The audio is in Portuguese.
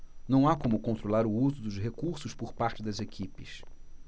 não há como controlar o uso dos recursos por parte das equipes